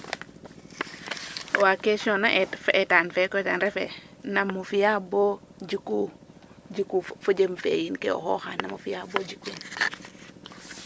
wa question na fa eetan fe koy ten ref ee nam a fi'aa bo jiku, jiku fo jem fe yin ke o xooxaa nam o fi'aa bo jikwin?